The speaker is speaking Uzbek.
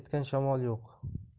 etgan shamol yo'q